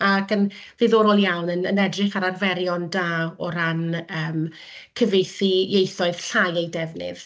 Ac yn ddiddorol iawn yn yn edrych ar arferion da o ran yym cyfieithu ieithoedd llai eu defnydd.